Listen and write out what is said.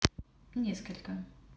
несколько